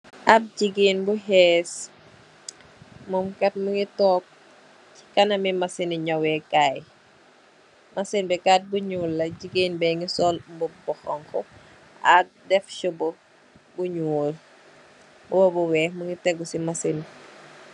Ab jigéen bu hees, mum kat mungi toog chi kanami machini nëwèkaay. Machine bi kaat bu ñuul la, jigéen bè ngi sol mbub bu honku ak deff sibu bu ñuul. Mbuba bu weeh mungi tégu ci machine bi.